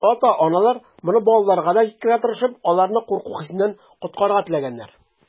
Ата-аналар, моны балаларга да җиткерергә тырышып, аларны курку хисеннән коткарырга теләгәннәр.